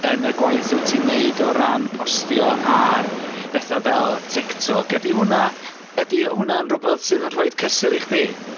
yn y gwaith wt ti'n neud o ran postio ar bethe' fel TikTok ydi hwnna ydi hwnna'n rwbeth sydd yn rhoid cysur i chdi?